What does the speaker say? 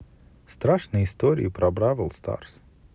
страшные истории про бравел старс